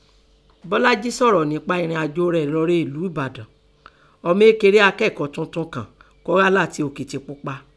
Bólájí sọ̀rọ̀ ńpa èrìnàjòo rẹ̀ lọ re Ẹ̀bàdàn, ọmọ ékeré akẹ́kọ̀ọ́ tuntun kàn kọ́ há látin Òkìtìpupa.